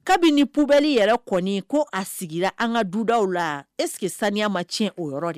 Kabini poubelle yɛrɛ kɔni ko a sigira an ka du daw la Est ce que saniya ma tiɲɛ o yɔrɔ